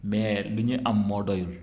mais li ñu am moo doyul